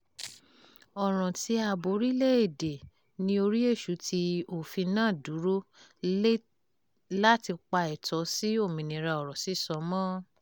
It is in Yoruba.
Ọ̀ràn-an ti "ààbò orílẹ̀-èdè" ni orí Èṣù tí òfin náà dúró lé láti pa ẹ̀tọ́ sí òmìnira ọ̀rọ̀ sísọ mọ́.